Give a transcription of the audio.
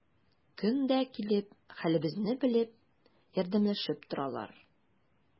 Көн дә килеп, хәлебезне белеп, ярдәмләшеп торалар.